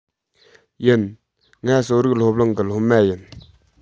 ཡིན ང གསོ རིག སློབ གླིང གི སློབ མ ཡིན